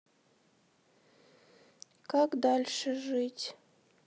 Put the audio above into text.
как дальше жить